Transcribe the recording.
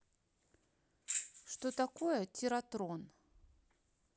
что такое тиратрон